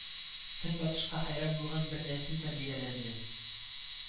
Көнбатышка хәйран булган бер нәсел тәрбияләнде